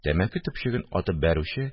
Тәмәке төпчеген атып бәрүче